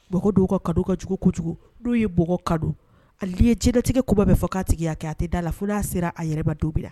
Mɔgɔ dɔw ka kanu ka jugu kojugu, n'u ye mɔgɔ kanu, hali n'i ye diɲɛlatigɛ koba bɛɛ fɔ k'a tigi y'a a tɛ d'a la fo n'a sera a yɛrɛ ma don min na